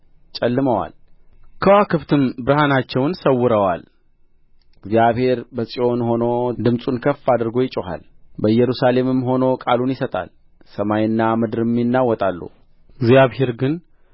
ጨልመዋል ከዋክብትም ብርሃናቸውን ሰውረዋል እግዚአብሔርም በጽዮን ሆኖ ድምፁን ከፍ አድርጎ ይጮኻል በኢየሩሳሌምም ሆኖ ቃሉን ይሰጣል ሰማይና ምድርም ይናወጣሉ እግዚአብሔር ግን